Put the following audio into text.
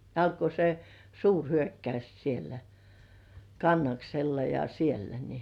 alkoi se suurhyökkays siellä Kannaksella ja siellä niin